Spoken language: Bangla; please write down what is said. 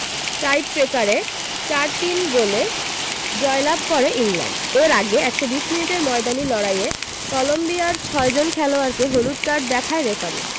টাইট্রেকারে ৪ ৩ গোলে জয়লাভ করে ইংল্যান্ড এর আগে ১২০ মিনিটের ময়দানি লড়াইয়ে কলম্বিয়ার ছয়জন খেলোয়াড়কে হলুদ কার্ড দেখায় রেফারি